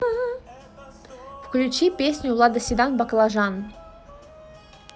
включи песню лада седан баклажан